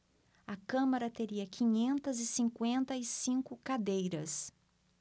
a câmara teria quinhentas e cinquenta e cinco cadeiras